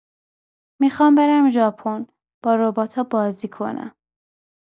می‌خوام برم ژاپن، با رباتا بازی کنم!